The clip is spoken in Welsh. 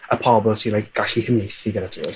y pobol sy like gallu cyfieithu gyda ti.